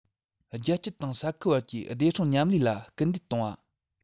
རྒྱལ སྤྱི དང ས ཁུལ བར གྱི བདེ སྲུང མཉམ ལས ལ སྐུལ འདེད གཏོང བ